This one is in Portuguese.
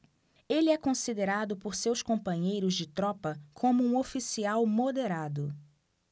ele é considerado por seus companheiros de tropa como um oficial moderado